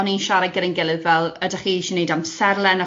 o'n i'n siarad gyda'n gilydd fel ydach chi isie 'neud amserlen